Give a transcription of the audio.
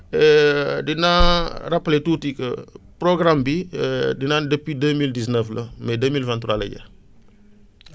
dinaa rappeler tuuti que programme bi di naan depuis deux mille dix neuf la mais deux mille vingt trois lay jeex